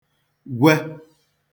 gwe